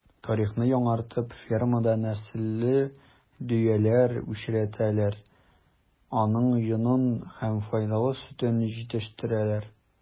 Тарихны яңартып фермада нәселле дөяләр үчретәләр, аның йонын һәм файдалы сөтен җитештерәләр.